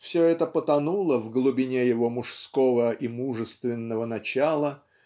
все это потонуло в глубине его мужского и мужественного начала